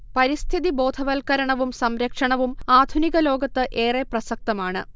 പരിസ്ഥി ബോധവൽക്കരണവും സംരക്ഷണവും ആധുനിക ലോകത്ത് ഏറെ പ്രസക്തമാണ്